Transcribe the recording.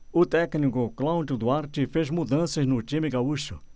o técnico cláudio duarte fez mudanças no time gaúcho